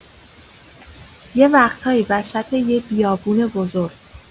یه وقتایی وسط یه بیابون بزرگ